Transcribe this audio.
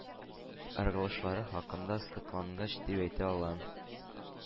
Ыргылышлары хакында соклангыч дип әйтә алам.